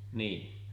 niin